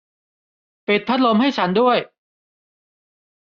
ปิดพัดลมให้ฉันด้วย